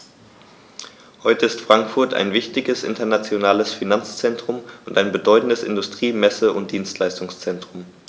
Heute ist Frankfurt ein wichtiges, internationales Finanzzentrum und ein bedeutendes Industrie-, Messe- und Dienstleistungszentrum.